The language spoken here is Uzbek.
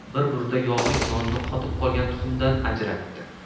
bir burda yog'liq nonni qotib qolgan tuxumdan ajratdi